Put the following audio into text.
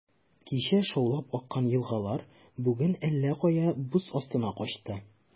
Кичә шаулап аккан елгалар бүген әллә кая, боз астына качты.